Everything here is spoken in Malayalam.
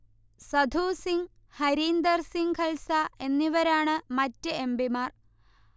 സധു സിങ്, ഹരീന്ദർ സിങ് ഖൽസ എന്നിവരാണു മറ്റ് എംപിമാർ